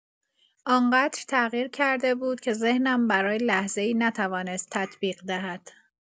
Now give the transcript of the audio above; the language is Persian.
آن‌قدر تغییر کرده بود که ذهنم برای لحظه‌ای نتوانست تطبیق دهد.